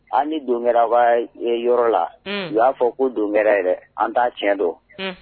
hali ni don kɛra baara yɔrɔ la, u b'a fɔ ko don yɛrɛ an t'a tiɲɛ don.